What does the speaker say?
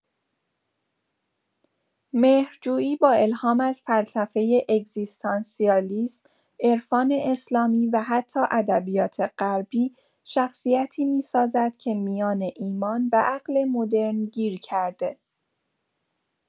مهرجویی با الهام از فلسفۀ اگزیستانسیالیسم، عرفان اسلامی و حتی ادبیات غربی، شخصیتی می‌سازد که میان ایمان و عقل مدرن گیر کرده.